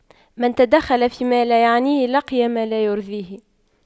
من تدخل فيما لا يعنيه لقي ما لا يرضيه